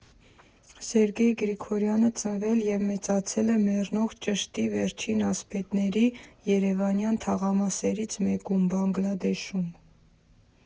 Սերգեյ Գրիգորյանը ծնվել և մեծացել է «մեռնող ճշտի վերջին ասպետների» երևանյան թաղամասերից մեկում՝ Բանգլադեշում։